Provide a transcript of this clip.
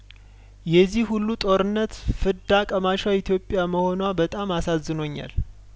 የዚህ ሁሉ ጦርነት ፍዳ ቀማሿ ኢትዮጵያ መሆኗ በጣም አሳዝኖኛል